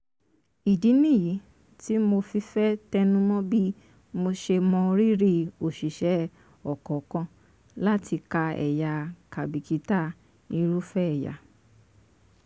Ìdí nìyí tí mo fi fẹ́ tẹnumọ́ bí mo ṣe mọ rírì òṣìṣẹ́ ọ̀kọ̀ọ̀kan, láì kà ẹ̀yà kláìbìkítà irúfẹ́ ẹ̀yà.